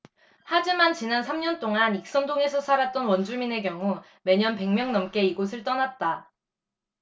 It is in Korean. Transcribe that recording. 하지만 지난 삼 년동안 익선동에서 살았던 원주민의 경우 매년 백 명 넘게 이곳을 떠났다